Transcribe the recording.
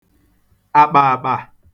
àkpààkpà